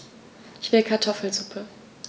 Ich will Kartoffelsuppe.